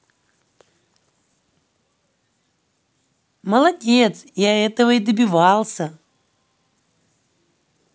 молодец я этого и добивался